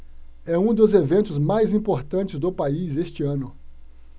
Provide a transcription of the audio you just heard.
é um dos eventos mais importantes do país este ano